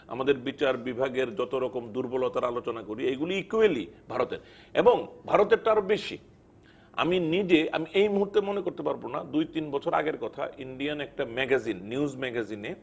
আমাদের বিচার বিভাগের যতরকম দূর্বলতার আলোচনা করি এগুলো ইকোয়ালি ভারতের এবং ভারতের টা আরো বেশি আমি নিজে আমি এই মুহূর্তে মনে করতে পারবো না দুই তিন বছর আগের কথা ইন্ডিয়ান একটা ম্যাগাজিন নিউজ ম্যাগাজিন এ